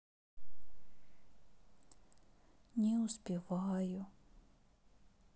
не успеваю